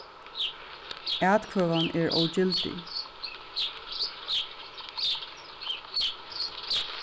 atkvøðan er ógildig